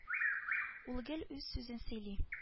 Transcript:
Ул гел үз сүзен сөйли